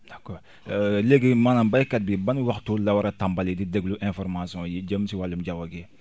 d' accord léegi maanaam béykat bi ban waxtu la war a tàmbali di déglu information yi jëm ci wàllum jaww gi